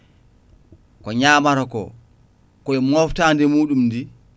ko ñamata ko koye moftadi muɗum ndi